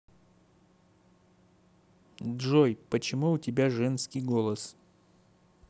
джой почему у тебя женский голос